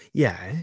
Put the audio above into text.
Ie.